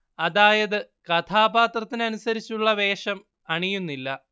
അതായത് കഥാപാത്രത്തിനു അനുസരിച്ചുള്ള വേഷം അണിയുന്നില്ല